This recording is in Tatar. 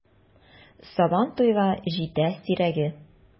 Сабан туйга җитә сирәге!